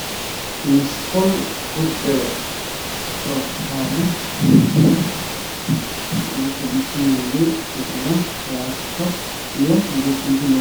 Mashquul ku taalla qolo la dhisayay radio kale